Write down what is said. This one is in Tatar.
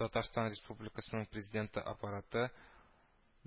Татарстан Республикасының Президенты Аппараты,